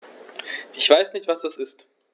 Ich weiß nicht, was das ist.